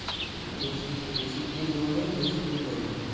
eshikli bo'lding beshikli bo'lding